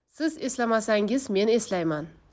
siz eslamasangiz men eslayman